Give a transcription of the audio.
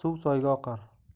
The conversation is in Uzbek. suv soyga oqar